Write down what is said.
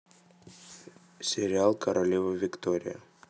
сериал королева виктория